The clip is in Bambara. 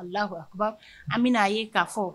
Fa an bɛna a ye ka fɔ